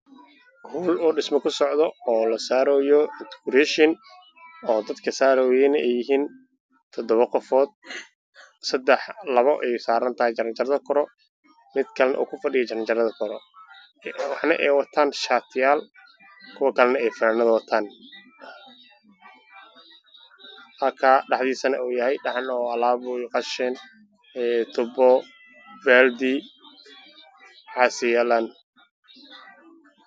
Guri dhismo kusocdo labo nin saaran jaranjaarad midna kufadhiyo tuubo baaldi waxaasa yaalaan